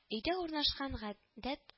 Өйдә урнашкан гадәт